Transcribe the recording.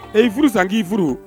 Ee furu san k'i furu